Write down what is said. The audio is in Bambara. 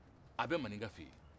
a bɛ maninka fɛ yen